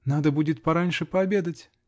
Надо будет пораньше пообедать.